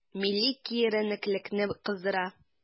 Милли киеренкелекне кыздыра.